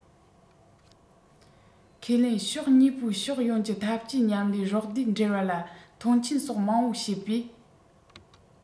ཁས ལེན ཕྱོགས གཉིས པོས ཕྱོགས ཡོངས ཀྱི འཐབ ཇུས མཉམ ལས རོགས ཟླའི འབྲེལ བ ལ མཐོང ཆེན སོགས མང པོ བཤད པས